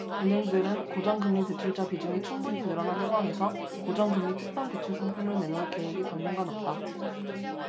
은행들은 고정금리대출자 비중이 충분히 늘어난 상황에서 고정금리 특판 대출상품을 내놓을 계획이 당분간 없다